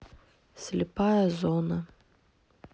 слепая зона